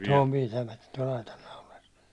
se on pitämättä tuolla aitan naulassa